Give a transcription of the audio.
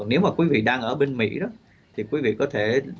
còn nếu mà quý vị đang ở bên mỹ thì quý vị có thể